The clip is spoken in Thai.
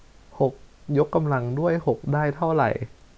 หกยกกำลังด้วยหกได้เท่าไหร่